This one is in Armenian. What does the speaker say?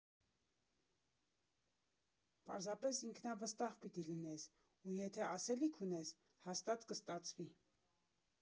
Պարզապես ինքնավստահ պիտի լինես ու եթե ասելիք ունես, հաստատ կստացվի։